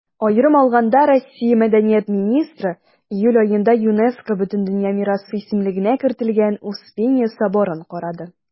Аерым алганда, Россия Мәдәният министры июль аенда ЮНЕСКО Бөтендөнья мирасы исемлегенә кертелгән Успенья соборын карады.